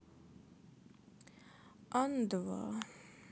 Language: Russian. ан два